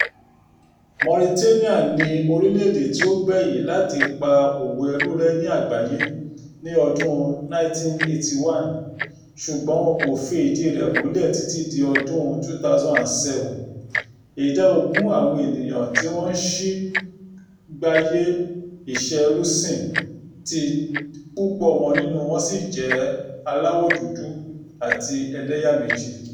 Mauritania ni orílẹ̀-èdè tí ó gbẹ́yìn láti pa òwò-ẹrú rẹ ní àgbáyé ní ọdún 1981, ṣùgbọ́n wọn kò fi ìdíi rẹ̀ múlẹ̀ títí di ọdún 2007, ìdá 20 àwọn ènìyàn ni wọ́n ṣì ń gbáyé ìṣẹrúsìn tí púpọ̀ nínú wọn sì jẹ́ aláwọ̀ dúdú tàbí elẹ́yà-méjì.